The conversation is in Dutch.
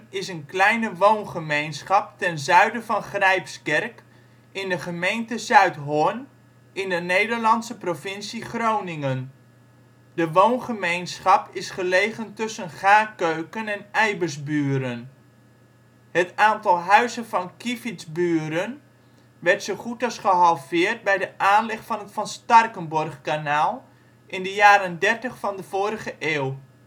is een kleine woongemeenschap ten zuiden van Grijpskerk in de gemeente Zuidhorn in de Nederlandse provincie Groningen. De woongemeenschap is gelegen tussen Gaarkeuken en Eibersburen. Het aantal huizen van Kievitsburen werd zo goed als gehalveerd bij de aanleg van het Van Starkenborghkanaal in de jaren dertig van de vorige eeuw. Ter plaatse